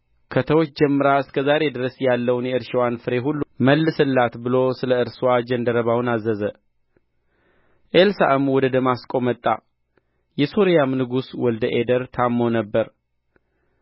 ከተወች ጀምራ እስከ ዛሬ ድረስ ያለውን የእርሻዋን ፍሬ ሁሉ መልስላት ብሎ ስለ እርስዋ ጃንደረባውን አዘዘ ኤልሳዕም ወደ ደማስቆ መጣ የሶርያም ንጉሥ ወልደ አዴር ታምሞ ነበር